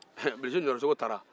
yɛlɛ bilisi niyɔrɔsogo ta la